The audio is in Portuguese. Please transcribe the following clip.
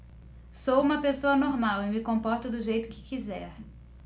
sou homossexual e me comporto do jeito que quiser